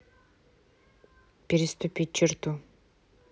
переступить черту